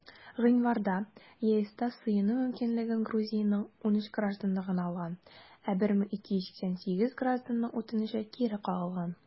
Гыйнварда ЕСта сыену мөмкинлеген Грузиянең 13 гражданы гына алган, ә 1288 гражданның үтенече кире кагылган.